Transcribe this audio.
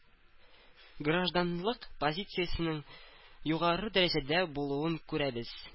Гражданлык позициясенең югары дәрәҗәдә булуын күрәбез